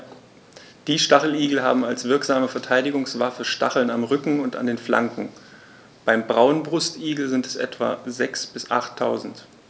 Die Stacheligel haben als wirksame Verteidigungswaffe Stacheln am Rücken und an den Flanken (beim Braunbrustigel sind es etwa sechs- bis achttausend).